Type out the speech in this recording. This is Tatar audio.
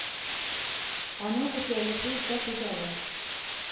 Аның үтәлеше исә хуҗалык